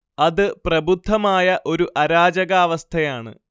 അത് പ്രബുദ്ധമായ ഒരു അരാജകാവസ്ഥയാണ്